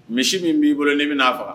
Misi min b'i bolo ni bɛnaa faga